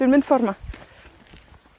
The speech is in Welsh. Dwi'n mynd ffor 'ma.